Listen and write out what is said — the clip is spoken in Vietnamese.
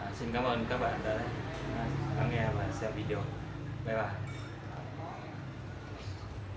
cảm ơn các bạn đã lắng nghe và xem video tạm biệt và hẹn gặp lại